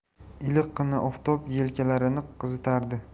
iliqqina oftob yelkalarini qizitardi